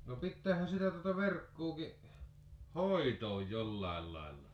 no pitäähän sitä tuota verkkoakin hoitaa jollakin lailla